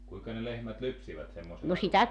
kuinka ne lehmät lypsivät semmoisella ruualla